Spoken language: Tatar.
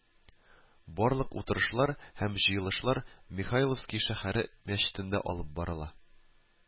Барлык утырышлар һәм җыелышлар Михайловски шәһәре мәчетендә алып барыла